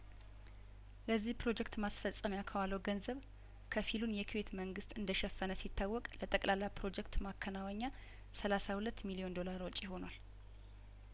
ለዚህ ፕሮጀክት ማስፈጸሚያ ከዋለው ገንዘብ ከፊሉን የኩዌት መንግስት እንደሸፈነ ሲታወቅ ለጠቅላላ ፕሮጀክት ማከናወኛ ሰላሳ ሁለት ሚሊዮን ዶላር ወጪ ሆኗል